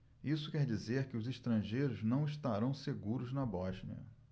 isso quer dizer que os estrangeiros não estarão seguros na bósnia